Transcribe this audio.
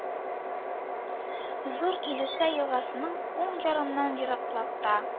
Зур Илеша елгасының уң ярыннан ераклыкта